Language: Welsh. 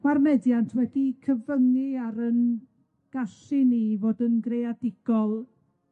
Ma'r meddiant wedi cyfyngu ar 'yn gallu ni i fod yn greadigol,